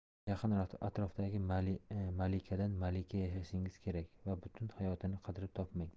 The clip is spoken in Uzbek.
yaqin atrofdagi malikadan malika yasashingiz kerak va butun hayotni qidirib topmang